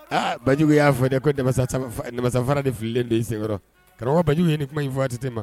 Aa Banjugu y'a fɔ dɛ ko namasa fara de fililen bɛ i senkɔrɔ, karamɔgɔ Banjugu ye nin kuma in fɔ ATT ma.